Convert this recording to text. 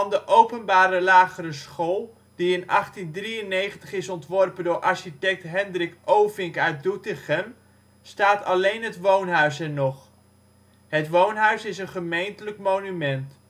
de openbare lagere school die in 1893 is ontworpen door architect Hendrik Ovink uit Doetinchem staat alleen het woonhuis er nog. Het woonhuis is een gemeentelijk monument